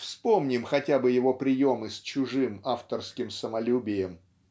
Вспомним хотя бы его приемы с чужим авторским самолюбием.